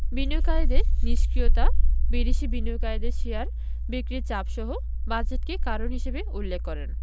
বিনিয়োগকারীদের নিষ্ক্রিয়তা বিদেশি বিনিয়োগকারীদের শেয়ার বিক্রির চাপসহ বাজেটকে কারণ হিসেবে উল্লেখ করেন